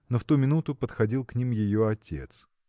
но в ту минуту подходил к ним ее отец.